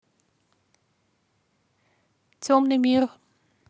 темный мир